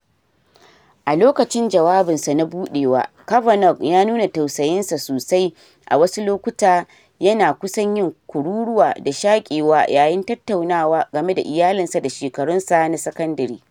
A lokacin jawabinsa na budewa, Kavanaugh ya nuna tausayin sa sosai, a wasu lokuta yana kusan yin kururuwa da shakewa yayin tattaunawa game da iyalinsa da shekarun sa na sakandare.